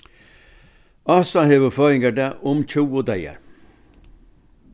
ása hevur føðingardag um tjúgu dagar